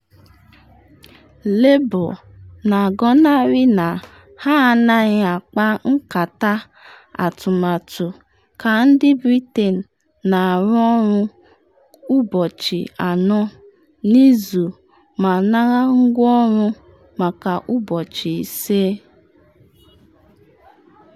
Labour na-agọnarị na ha anaghị akpa nkata atụmatụ ka ndị Britain na-arụ ọrụ ụbọchị anọ n’izu ma nara ụgwọ ọrụ maka ụbọchị ise